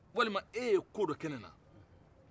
walima e ye ko dɔ kɛ ne na